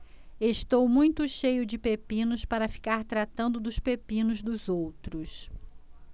estou muito cheio de pepinos para ficar tratando dos pepinos dos outros